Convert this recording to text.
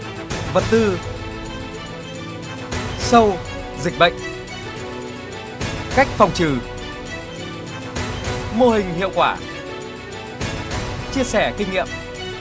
vật tư sâu dịch bệnh cách phòng trừ mô hình hiệu quả chia sẻ kinh nghiệm